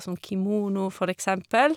Sånn kimono, for eksempel.